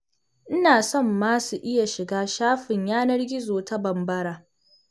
Ina son ma su iya shiga shafin yanar gizo ta Bambara.